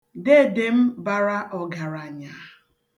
Deede m bara ọgaranya.